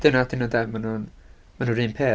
Dyna ydyn nw de, maen nhw'r un peth.